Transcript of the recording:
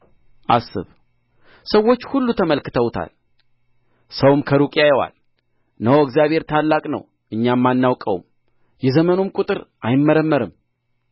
አስብ ሰዎች ሁሉ ተመልክተውታል ሰውም ከሩቅ ያየዋል እነሆ እግዚአብሔር ታላቅ ነው እኛም አናውቀውም የዘመኑም ቍጥር አይመረመርም